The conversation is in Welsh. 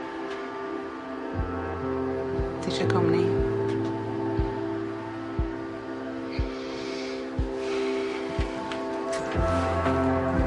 Ti isie cwmni?